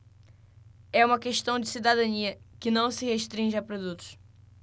é uma questão de cidadania que não se restringe a produtos